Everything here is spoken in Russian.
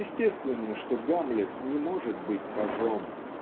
Естественно, что Гамлет не может быть пажом.